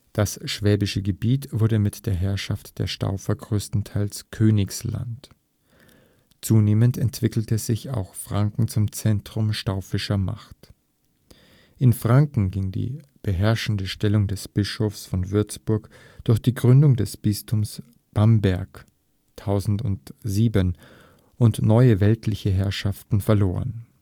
Das schwäbische Gebiet wurde mit der Herrschaft der Staufer großenteils Königsland. Zunehmend entwickelte sich auch Franken zum Zentrum staufischer Macht. In Franken ging die beherrschende Stellung des Bischofs von Würzburg durch die Gründung des Bistums Bamberg 1007 und neue weltliche Herrschaften verloren